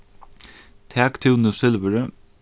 tak tú nú silvurið